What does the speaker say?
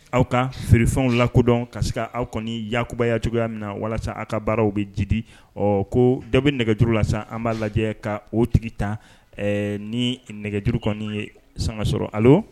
Aw ka feerefɛnw la kodɔn ka se aw kɔni yakubaya cogoya min na walasa aw ka baaraw bɛ ji di ɔ ko da bɛ nɛgɛjuru la sisan an b'a lajɛ ka o tigi tan ni nɛgɛ duuruuru kɔni ye sankasɔrɔ ale